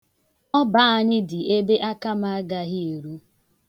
Ọba anyị dị ebe aka m agaghị eru.